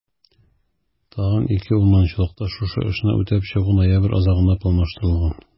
Тагын 2 урманчылыкта шушы эшне үтәп чыгу ноябрь азагына планлаштырылган.